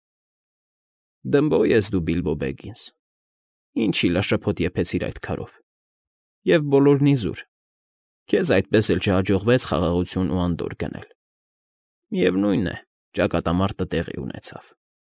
Դմբո ես դու, Բիլբո Բեգինս, ինչ շիլաշփոթ եփեցիր այդ քարով, և բոլորն իզուր. քեզ այդպես էլ չհաջողվեց խաղաղություն ու անդորր գնել, միևնույն է, ճակատամարտը տեղի ունեցավ։